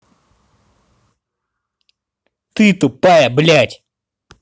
тут ты тупая блядь